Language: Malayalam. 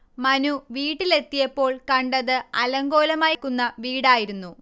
മനു വീട്ടിലെത്തിയപ്പോൾ കണ്ടത് അലങ്കോലമായി കിടക്കുന്ന വീടായിരുന്നു